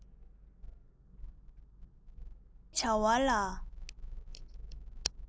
མཁས པའི བྱ བ ལ